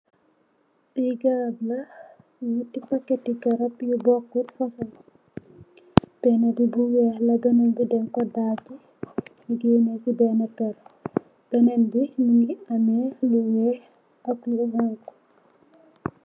Lee garab la nyate packete garab yu bokut fusung bena be bu weex la benen be danku daje nu genese bena pere benen be muge ameh lu weex ak lu nuul.